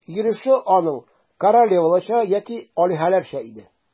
Йөреше аның королеваларча яки алиһәләрчә иде.